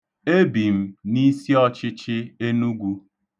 Ebi m n'isiọchịchị Enugwu.